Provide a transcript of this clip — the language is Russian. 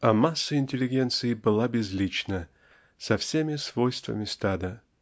А масса интеллигенции была безлична, со всеми свойствами стада